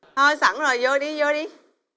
thôi sẵn rồi vô đi vô đi